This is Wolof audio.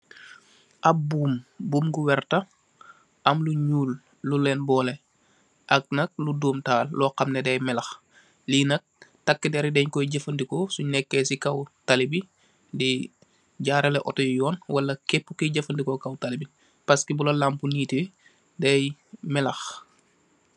Ap buum buum bu werta, am lu ñuul lu leen bole ak lu doom taal lu xamne daay melax, li nak takkudeer deñ ku de jefandikoo suñ nekke ci kaw talli bi di jararle otto yi yoon ak keppu koi jefandikoo yoon bi paski bula lampu neet te daay melax.